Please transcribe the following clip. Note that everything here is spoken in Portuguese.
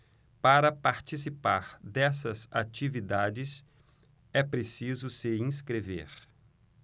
para participar dessas atividades é preciso se inscrever